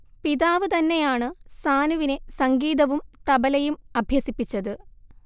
പിതാവ് തന്നെയാണ് സാനുവിനെ സംഗീതവും തബലയും അഭ്യസിപ്പിച്ചത്